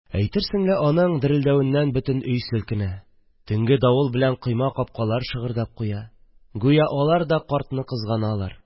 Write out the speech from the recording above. Әйтерсең лә, аның дерелдәвеннән бөтен өй селкенә, төнге давыл белән койма-капкалар шыгырдап куя, гүя алар да картны кызганалар